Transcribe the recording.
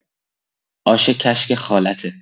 آش کشک خالته!